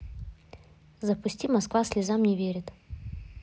запусти москва слезам не верит